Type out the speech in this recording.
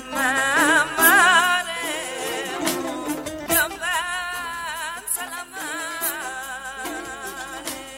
Maa ma tile mɛ diɲɛ